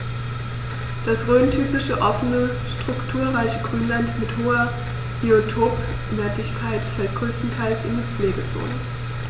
Das rhöntypische offene, strukturreiche Grünland mit hoher Biotopwertigkeit fällt größtenteils in die Pflegezone.